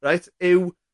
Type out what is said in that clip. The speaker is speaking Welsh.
reit yw